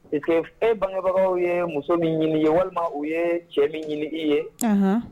E bangebagaw ye muso min ɲini ye walima u ye cɛ min ɲini i ye